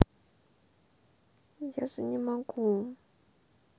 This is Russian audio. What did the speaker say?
я же не могу